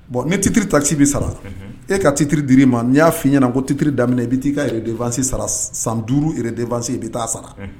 Bon ni titre axes bɛ sara e ka titres di l'i ma n y'a f' i ɲɛna ko titre daminɛ i bɛ t' i ka redevance sara san 5 redevance i bɛ ta'a sara.